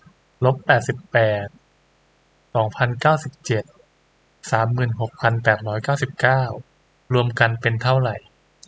ลบแปดสิบแปดสองพันเก้าสิบเจ็ดสามหมื่นหกพันแปดร้อยเก้าสิบเก้ารวมกันเป็นเท่าไหร่